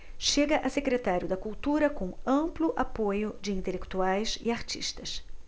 chega a secretário da cultura com amplo apoio de intelectuais e artistas